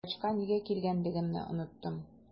Врачка нигә килгәнлегемне оныттым.